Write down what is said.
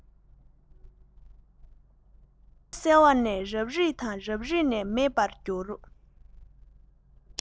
དྲིལ སྒྲ གསལ བ ནས རབ རིབ དང རབ རིབ ནས མེད པར གྱུར